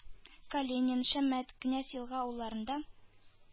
Калинин, Шәммәт, Князь-Елга авылларында